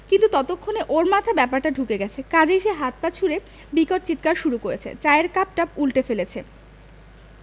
কিন্তু ততক্ষণে ওর মাথায় ব্যাপারটা ঢুকে গেছে কাজেই সে হাত পা ছুড়ে বিকট চিৎকার শুরু করেছে চায়ের কাপটাপ উন্টে ফেলছে